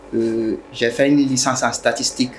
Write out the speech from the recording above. Eee j'ai fait une licence en statistique